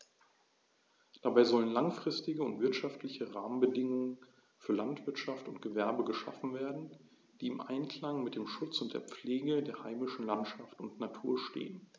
Dabei sollen langfristige und wirtschaftliche Rahmenbedingungen für Landwirtschaft und Gewerbe geschaffen werden, die im Einklang mit dem Schutz und der Pflege der heimischen Landschaft und Natur stehen.